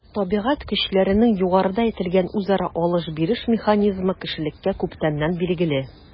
Табигать көчләренең югарыда әйтелгән үзара “алыш-биреш” механизмы кешелеккә күптәннән билгеле.